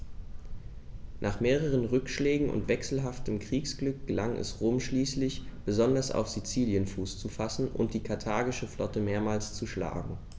Nach mehreren Rückschlägen und wechselhaftem Kriegsglück gelang es Rom schließlich, besonders auf Sizilien Fuß zu fassen und die karthagische Flotte mehrmals zu schlagen.